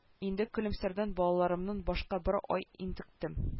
Инде көлемсәрдән балаларымнан башка бер ай интектем